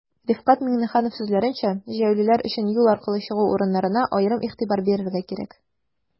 Рифкать Миңнеханов сүзләренчә, җәяүлеләр өчен юл аркылы чыгу урыннарына аерым игътибар бирергә кирәк.